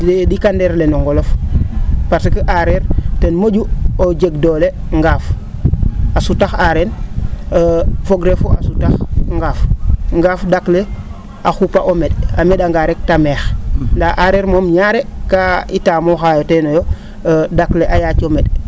?ikandeer le no nqolof parce que aareer ten mo?u o jeg doole ngaaf a sutax a aareer fogre fa a sutax ngaaf ngaaf ?ak le a xupa o me? a me?anga rek ta meex ndaa aareer moom ñaale kaa taamooxaayo teen ?ak le a yaaco me?